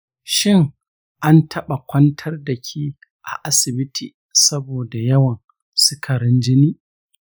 shin an taɓa kwantar da ke a asibiti saboda yawan sukarin jini?